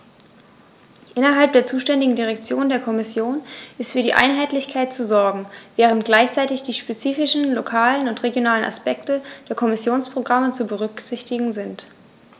Innerhalb der zuständigen Direktion der Kommission ist für Einheitlichkeit zu sorgen, während gleichzeitig die spezifischen lokalen und regionalen Aspekte der Kommissionsprogramme zu berücksichtigen sind.